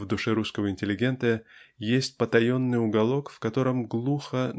в душе русского интеллигента есть потаенный уголок в котором глухо